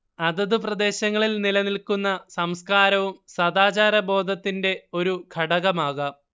അതത് പ്രദേശങ്ങളിൽ നിലനിൽക്കുന്ന സംസ്കാരവും സദാചാരബോധത്തിന്റെ ഒരു ഘടകമാകാം